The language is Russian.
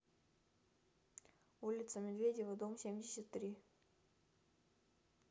улица медведева дом семьдесят три